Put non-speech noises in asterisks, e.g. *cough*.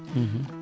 *hesitation* *hesitation*